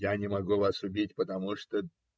Я не могу вас убить потому, что.